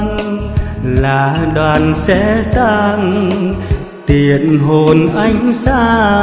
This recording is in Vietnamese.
là đoàn xe tang tiễn hồn anh sang